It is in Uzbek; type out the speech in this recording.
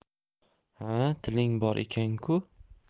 ha tiling bor ekan ku